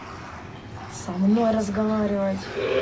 со мной разговаривать